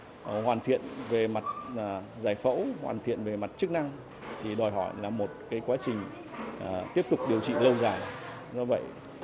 hoàn thiện về mặt là giải phẫu hoàn thiện về mặt chức năng thì đòi hỏi là một cái quá trình tiếp tục điều trị lâu dài do vậy